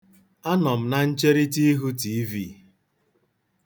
Anọ m na ncherịta ihu TiiVii.